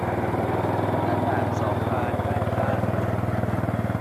เปิดหน้าต่างสองบานด้านข้าง